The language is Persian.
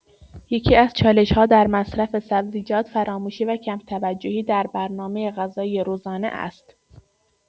یکی‌از چالش‌ها در مصرف سبزیجات، فراموشی و کم‌توجهی در برنامه غذایی روزانه است.